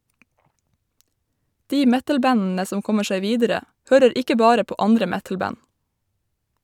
De metal-bandene som kommer seg videre, hører ikke bare på andre metal-band.